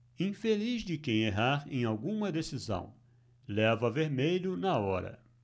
infeliz de quem errar em alguma decisão leva vermelho na hora